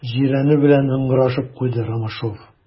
Җирәнү белән ыңгырашып куйды Ромашов.